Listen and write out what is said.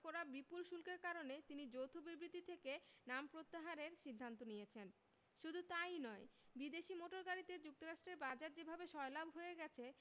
করা বিপুল শুল্কের কারণে তিনি যৌথ বিবৃতি থেকে নাম প্রত্যাহারের সিদ্ধান্ত নিয়েছেন শুধু তা ই নয় বিদেশি মোটর গাড়িতে যুক্তরাষ্ট্রের বাজার যেভাবে সয়লাব হয়ে গেছে